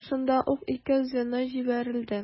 Шунда ук ике звено җибәрелде.